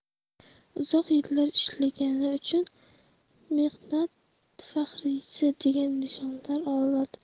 uzoq yillar ishlagani uchun mehnat faxriysi degan nishonlar oladi